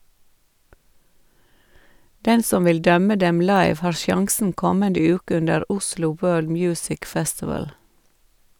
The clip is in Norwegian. Den som vil dømme dem live, har sjansen kommende uke under Oslo World Music Festival.